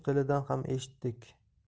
tilidan ham eshitdik